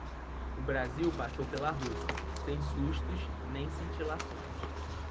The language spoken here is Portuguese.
o brasil passou pela rússia sem sustos nem cintilações